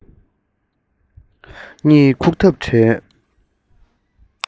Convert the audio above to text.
གཉིད ཁུག ཐབས བྲལ